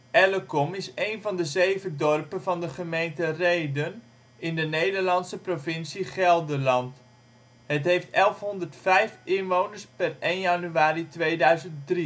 Ellecom is een van de zeven dorpen van de gemeente Rheden in de Nederlandse provincie Gelderland. Het heeft 1105 inwoners (per 1 januari 2003). In